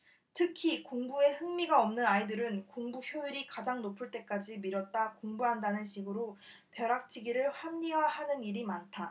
특히 공부에 흥미가 없는 아이들은 공부 효율이 가장 높을 때까지 미뤘다 공부한다는 식으로 벼락치기를 합리화하는 일이 많다